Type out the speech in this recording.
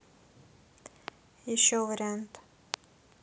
еще вариант